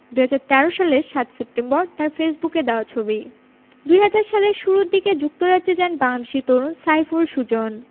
২০১৩ সালের ৭ সেপ্টেম্বর তাঁর ফেসবুকে দেওয়া ছবি ২০০০ সালের শুরু দিকে যুক্তরাজ্যে যান বাংলাদেশি তরুণ সাইফুল সুজন